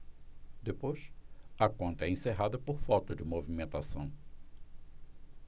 depois a conta é encerrada por falta de movimentação